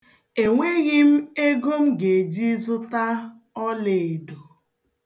Enweghị m ego m ga-eji zụta ọlaedo.